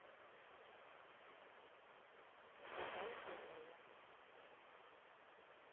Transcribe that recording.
угадай героя